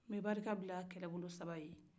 nbɛ barika bila kɛlɛ bolo saba ye